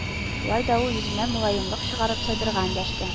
Шулай да ул, йөзенә мөлаемлык чыгарып, Сабирга эндәште: